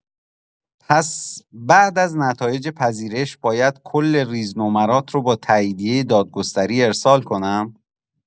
پس بعد از نتایج پذیرش باید کل ریزنمرات رو با تاییدیه دادگستری ارسال کنم؟